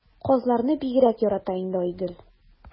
Казларны бигрәк ярата инде Айгөл.